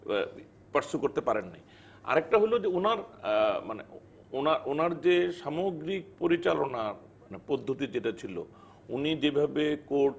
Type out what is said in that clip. pursue করতে পারেনি আর একটা হল যে ওনার উন্নয়নের যে সামগ্রিক পরিচালনা পদ্ধতি যেটা ছিল উনি যেভাবে কোর্ট